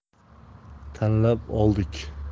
tanlab oldik